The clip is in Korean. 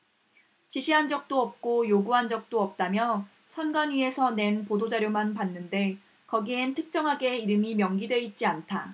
지시한 적도 없고 요구한 적도 없다며 선관위에서 낸 보도자료만 봤는데 거기엔 특정하게 이름이 명기돼 있지 않다